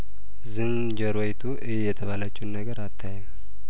ዝንጀሮዪቱ እዪ የተባለችውን ነገር አታይም